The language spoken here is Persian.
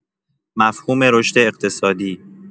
مفهوم رشد اقتصادی